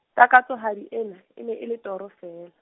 takatsohadi ena, e ne e le toro fela.